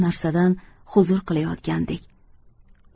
narsadan huzur qilayotgandek